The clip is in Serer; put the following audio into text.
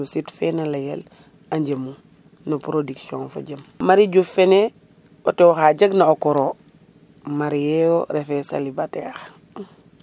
no sit fe na leyel a NJemu no production fojem Marie Diouf fene o tewo xa jegna o koro marier yo refe Célibataire